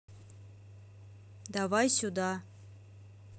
давай сюда